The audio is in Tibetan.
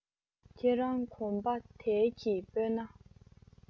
ཁྱོད རང གོམ པ དལ གྱིས སྤོས ན